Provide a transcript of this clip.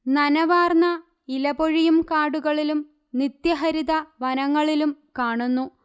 നനവാർന്ന ഇലപൊഴിയും കാടുകളിലും നിത്യഹരിതവനങ്ങളിലും കാണുന്നു